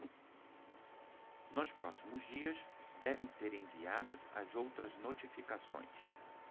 nos próximos dias devem ser enviadas as outras notificações